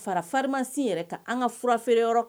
Fara farima sin yɛrɛ ka an ka fura feereere yɔrɔ